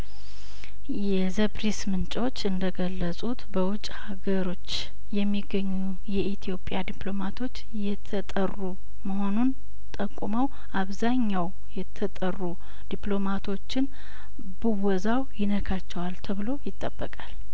የዘፕሬስ ምንጮች እንደገለጹት በውጭ ሀገሮች የሚገኙ የኢትዮጵያ ዲፕሎማቶች እየተጠሩ መሆኑን ጠቁመው አብዛኛው የተጠሩ ዲፕሎማቶችን ብወዛው ይነካቸዋል ተብሎ ይጠበቃል